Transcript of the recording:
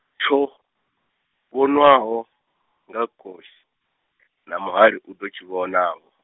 tho, vhonwaho, nga gosi, na muhali u ḓo tshi vhonavho.